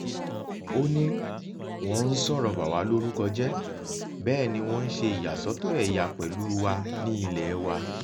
Ó ní "wọ́n ń sọ̀rọ̀ bà wá lórúkọ jẹ́, bẹ́ẹ̀ ni wọ́n ń ṣe ìyàsọ́tọ̀ ẹ̀yà pẹ̀lúu wa ní ilẹ̀ẹ wa".